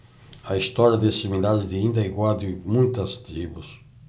a história desses milhares de índios é igual à de muitas tribos